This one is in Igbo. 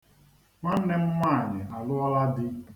Nwanne m nwaanyị alụọla di.